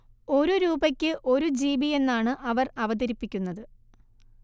ഒരു രൂപയ്ക്ക് ഒരു ജിബിയെന്നാണ് അവർ അവതരിപ്പിക്കുന്നത്